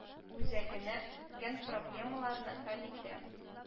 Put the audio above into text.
Үзәгенә үткән проблемаларны хәл итә. м